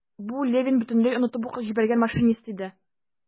Бу - Левин бөтенләй онытып ук җибәргән машинист иде.